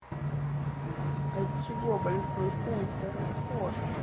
от чего большой хуй растет